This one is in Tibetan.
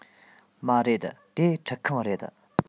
མ རེད དེ ཁྲུད ཁང རེད